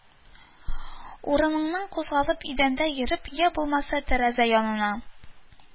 Урыныңнан кузгалып идәндә йөреп, йә булмаса, тәрәзә янына